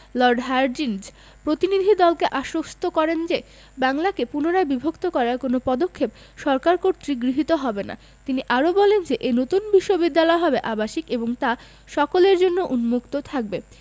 Lord Hardinge প্রতিনিধিদলকে আশ্বস্ত করেন যে বাংলাকে পুনরায় বিভক্ত করার কোনো পদক্ষেপ সরকার কর্তৃক গৃহীত হবে না তিনি আরও বলেন যে এ নতুন বিশ্ববিদ্যালয় হবে আবাসিক এবং তা সকলের জন্য উন্মুক্ত থাকবে